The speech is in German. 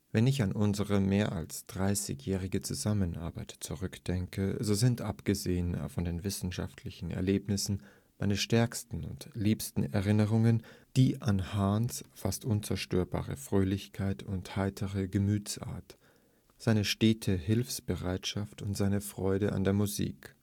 Wenn ich an unsere mehr als 30-jährige Zusammenarbeit zurückdenke, so sind – abgesehen von den wissenschaftlichen Erlebnissen – meine stärksten und liebsten Erinnerungen die an Hahns fast unzerstörbare Fröhlichkeit und heitere Gemütsart, seine stete Hilfsbereitschaft und seine Freude an der Musik